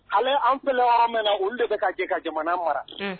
Alo, an filɛ n'ye yɔrɔminan, olu de bɛ ka jɛ ka jamana mara, unh.